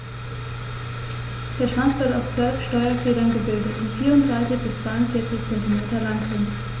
Der Schwanz wird aus 12 Steuerfedern gebildet, die 34 bis 42 cm lang sind.